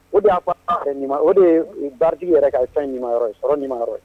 O de' o de ye baji yɛrɛ ka sa ɲumanyɔrɔ ye sɔrɔ ɲumanyɔrɔ ye